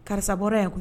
Karisaɔr ye koyi